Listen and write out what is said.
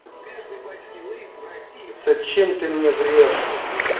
зачем ты мне врешь